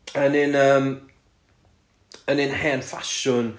yn un yym... yn un hen ffasiwn